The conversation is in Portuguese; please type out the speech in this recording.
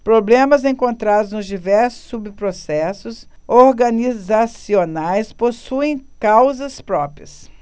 problemas encontrados nos diversos subprocessos organizacionais possuem causas próprias